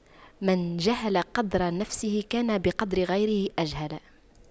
من جهل قدر نفسه كان بقدر غيره أجهل